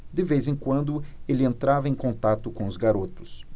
de vez em quando ele entrava em contato com os garotos